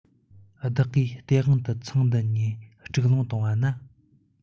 བདག གིས སྟེས དབང དུ ཚང འདི གཉིས དཀྲུག སློང བཏང བ ན